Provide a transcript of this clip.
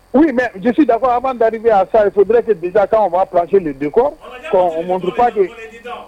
Mɛ ji da fɔ an man danin' sa ye foyibki bin kan faa psi nin den kop pa kuyate